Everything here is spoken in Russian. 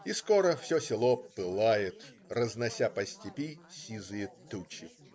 И скоро все село пылает, разнося по степи сизые тучи.